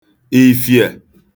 ìfiè